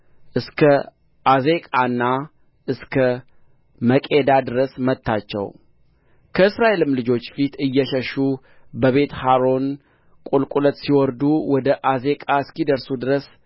እስከ ዓዜቃና እስከ መቄዳ ድረስ መታቸው ከእስራኤልም ልጆች ፊት እየሸሹ በቤትሖሮን ቍልቍለት ሲወርዱ ወደ ዓዜቃ እስኪደርሱ ድረስ